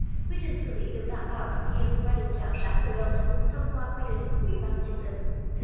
quy trình xử lý được đảm bảo thực hiện và được giám sát tự động thông qua quy định của ủy ban chương trình